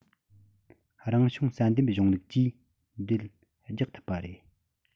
རང བྱུང བསལ འདེམས གཞུང ལུགས ཀྱིས འགྲེལ རྒྱག ཐུབ པ རེད